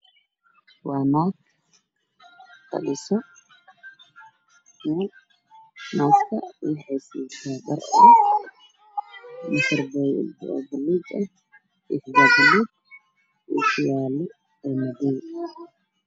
Waa meel xaflad waxaa fadhiya dad badan waxaa u soo haraynaa waxay wadataa yad midooday ok yaallo